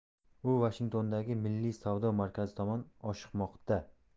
u vashingtondagi milliy savdo markazi tomon oshiqmoqda